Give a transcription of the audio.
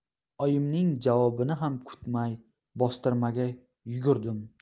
oyimning javobini ham kutmay bostirmaga yugurdim